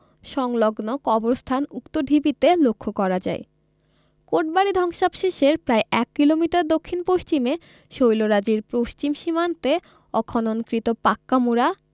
সংলগ্ন কবরস্থান উক্ত ঢিবিতে লক্ষ্য করা যায় কোটবাড়ি ধ্বংসাবশেষের প্রায় এক কিলোমিটার দক্ষিণ পশ্চিমে শৈলরাজির পশ্চিম সীমান্তে অখননকৃত পাক্কা মুড়া